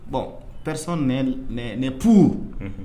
Bɔn pɛre n p